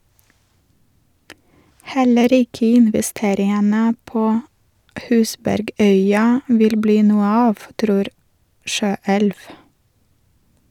Heller ikke investeringene på Husbergøya vil bli noe av, tror Skøelv.